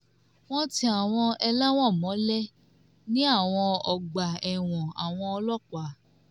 Wọ́n ń ti àwọn ẹlẹ́wọ̀n mọ́lé ní àwọn ọgbà ẹ̀wọ̀n àwọn ọlọ́pàá.